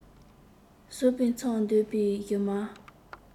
ཟོག པོའི མཚམ འདོན པའི བཞུ མར